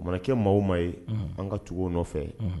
Mana kɛ maa o maa ye unhun an ka tugun o nɔfɛ unhun